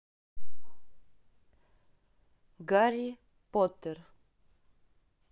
гарри поттер